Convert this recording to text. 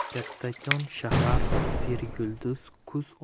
kattakon shahar seryulduz kuz